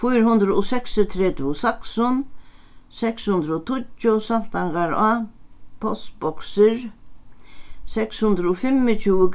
fýra hundrað og seksogtretivu saksun seks hundrað og tíggju saltangará postboksir seks hundrað og fimmogtjúgu